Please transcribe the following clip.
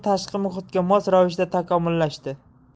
tashqi muhitga mos ravishda takomillashdi